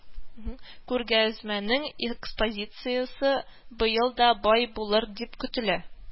Күргәзмәнең экспозициясе быел да бай булыр дип көтелә